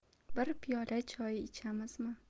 bir piyola choy ichamizmi